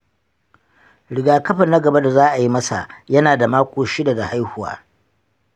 rigakafi na gaba da za a yi masa yana da mako shida da haihuwa